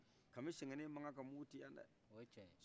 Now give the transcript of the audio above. kami sɛngɛne ma kanka mugu ci yan dɛ